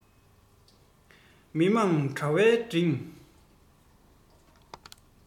མི དམངས དྲ བའི འཕྲིན